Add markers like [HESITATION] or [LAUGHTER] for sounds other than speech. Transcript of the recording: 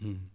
[HESITATION] [HESITATION]